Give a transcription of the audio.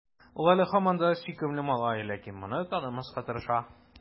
Ул әле һаман да сөйкемле малай, ләкин моны танымаска тырыша.